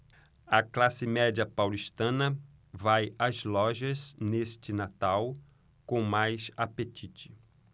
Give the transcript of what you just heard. a classe média paulistana vai às lojas neste natal com mais apetite